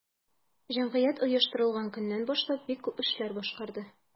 Җәмгыять оештырылган көннән башлап бик күп эшләр башкарды.